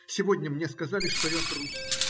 Сегодня мне сказали, что я трус.